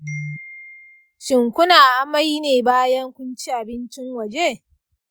shin kuna amai ne bayan kun ci abincin waje?